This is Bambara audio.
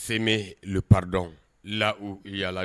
Semɛ pd la u yala